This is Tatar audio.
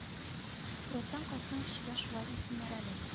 Фронттан кайткан кешегә шулай дисеннәр әле